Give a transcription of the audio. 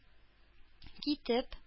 Китеп